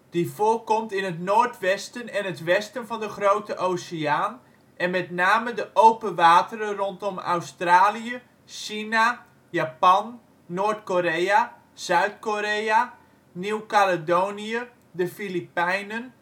die voorkomt in het noordwesten en het westen van de Grote Oceaan en met name de open wateren rondom Australië, China, Japan, Noord-Korea, Zuid-Korea, Nieuw Caledonië, de Filipijnen